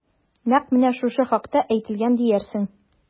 Нәкъ менә шушы хакта әйтелгән диярсең...